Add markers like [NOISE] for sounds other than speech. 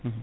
[HESITATION] [HESITATION]